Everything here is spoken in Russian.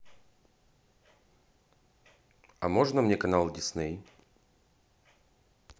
а можно мне канал дисней